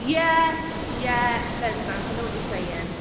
Yes, yeah, bendant. I know what you're saying.